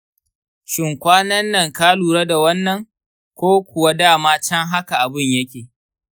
shin kwanan nan ka lura da wannan, ko kuwa dama can haka abun yake?